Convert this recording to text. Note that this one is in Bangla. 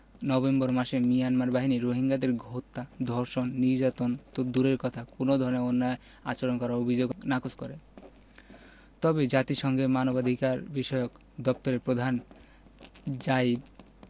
নভেম্বর মাসে মিয়ানমার বাহিনী রোহিঙ্গাদের হত্যা ধর্ষণ নির্যাতন তো দূরের কথা কোনো ধরনের অন্যায় আচরণ করার অভিযোগও নাকচ করে তবে জাতিসংঘের মানবাধিকারবিষয়ক দপ্তরের প্রধান যায়িদ